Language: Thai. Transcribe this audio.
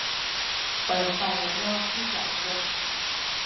เปิดไฟรอบที่จอดรถ